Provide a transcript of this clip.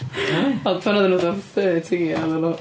E?... Ond pan oedden nhw'n fatha thirteen, oeddan nhw...